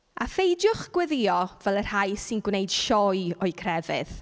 A pheidiwch gweddïo fel yr rhai sy'n gwneud sioe o'u crefydd.